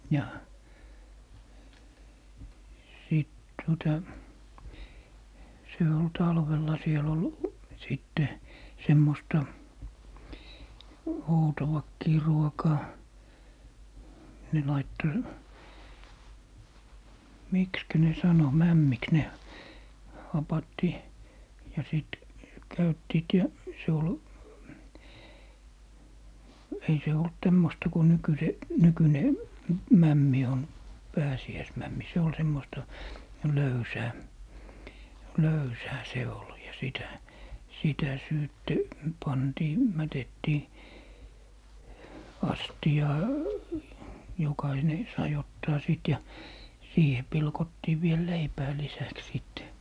ja sitten tuota se oli talvella siellä oli sitten semmoista outoakin ruokaa ne laittoi miksikä ne sanoi mämmiksi ne hapatti ja sitten käyttivät ja se oli ei se ollut tämmöistä kuin - nykyinen mämmi on pääsiäismämmi se oli semmoista löysää löysää se oli ja sitä sitä sitten pantiin mätettiin astiaan jokainen sai ottaa sitten ja siihen pilkottiin vielä leipää lisäksi sitten